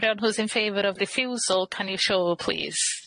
Everyone who's in favour of refusal can you show please?